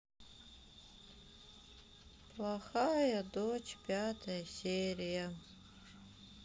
плохая дочь пятая серия